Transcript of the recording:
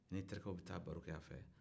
i ni terikew bɛ taa baro k'a fɛ